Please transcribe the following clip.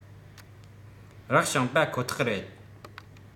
རག བྱུང པ ཁོ ཐག རེད